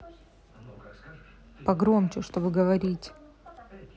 погромче чтобы говорить